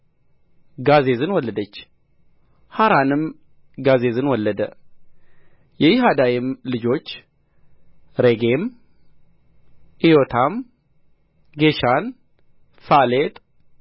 ጋዜዝን ወለደች ሐራንም ጋዜዝን ወለደ የያህዳይም ልጆች ሬጌም ኢዮታም ጌሻን ፋሌጥ